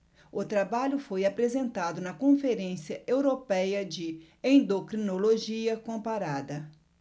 o trabalho foi apresentado na conferência européia de endocrinologia comparada